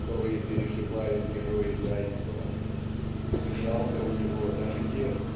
которые переживают герои Зайцева. И жалко у него даже тех